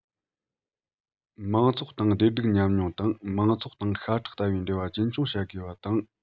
མང ཚོགས དང བདེ སྡུག མཉམ མྱོང དང མང ཚོགས དང ཤ ཁྲག ལྟ བུའི འབྲེལ བ རྒྱུན འཁྱོངས བྱ དགོས པ དང